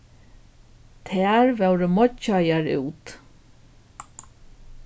tær vóru meiggjaðar út